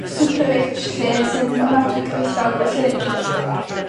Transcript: super rich 'lly sy'n ofnadwy gyfoethog felly